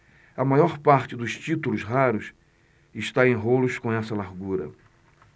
a maior parte dos títulos raros está em rolos com essa largura